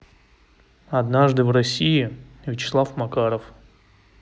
однажды в россии вячеслав макаров